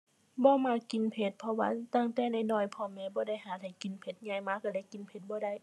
บ่มักกินเผ็ด เพราะว่าตั้งแต่น้อยน้อยพ่อแม่บ่ได้หัดให้กินเผ็ด ใหญ่มาก็เลยกินเผ็ดบ่ได้